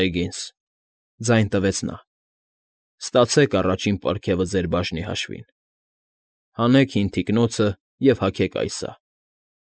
Բեգինս,֊ ձայն տվեց նա։֊ Ստացեք առաջին պարգևը ձեր բաժնի հաշվին… Հանեք հին թիկնոցը և հագեք այ սա…